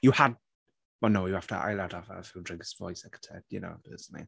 You had... well, no, you have t- I'll have to have a few drinks before I suck a tit, you know, personally.